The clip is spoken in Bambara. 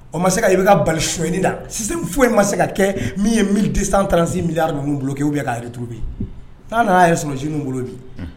O ma se i bɛ ka bali soy la sisan foyi ma se ka kɛ min ye mi tɛ san tansi mi ninnu bolo kɛ' yɛrɛ tubi n'a nana' ye s suns bolo bi